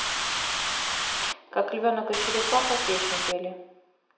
как львенок и черепаха песню пели